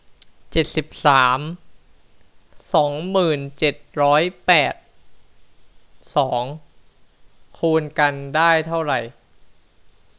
เจ็ดสิบสามสองหมื่นเจ็ดร้อยแปดสองคูณกันได้เท่าไหร่